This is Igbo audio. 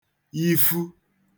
yifu